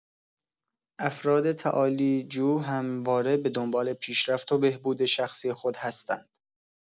افراد تعالی‌جو همواره به دنبال پیشرفت و بهبود شخصی خود هستند.